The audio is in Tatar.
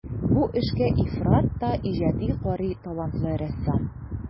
Бу эшкә ифрат та иҗади карый талантлы рәссам.